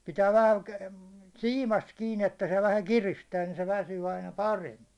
pitää vähän siimasta kiinni että se vähän kiristää niin se väsyy aina paremmin